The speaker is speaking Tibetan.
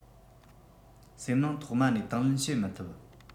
སེམས ནང ཐོག མ ནས དང ལེན བྱེད མི ཐུབ